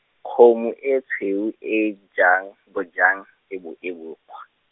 kgomo e tshweu e jang, bojang, e bo e bo kgw-.